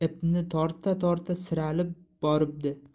ipni torta torta tisarilib boribdi